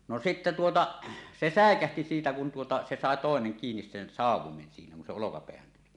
no sitten tuota se säikähti siitä kun tuota se sai toinen kiinni sen sauvoimen siinä kun se olkapäähän tuli